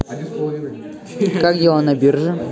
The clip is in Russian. как дела на бирже